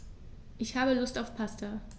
Ich habe Lust auf Pasta.